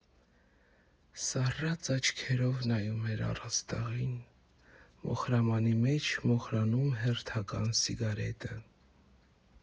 Սառած աչքերով նայում էր առաստաղին, մոխրամանի մեջ մոխրանում հերթական սիգարետը։